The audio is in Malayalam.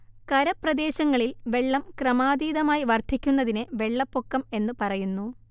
കരപ്രദേശങ്ങളിൽ വെള്ളം ക്രമാതീതമായി വർദ്ധിക്കുന്നതിനെ വെള്ളപ്പൊക്കം എന്നു പറയുന്നു